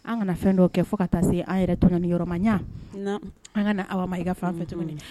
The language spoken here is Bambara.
An kana fɛn dɔw kɛ fo ka taa se an yɛrɛ to ni yɔrɔmaya an ka aw ma i ka an fɛ tuguni